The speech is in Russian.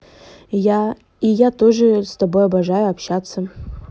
я и я тоже с тобой обожаю общаться